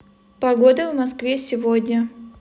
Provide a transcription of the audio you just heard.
погода в москве сегодня